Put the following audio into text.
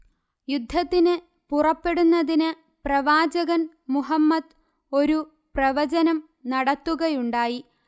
യുദ്ധത്തിന് പുറപ്പെടുന്നതിന് പ്രവാചകൻ മുഹമ്മദ് ഒരു പ്രവചനം നടത്തുകയുണ്ടായി